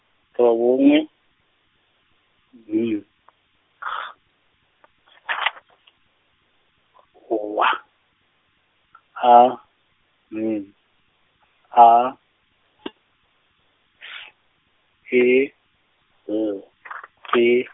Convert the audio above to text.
robongwe, N G W A N A T S E L E.